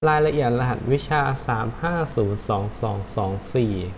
รายละเอียดรหัสวิชาสามห้าศูนย์สองสองสองสี่